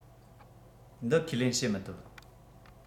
འདི ཁས ལེན བྱེད མི ཐུབ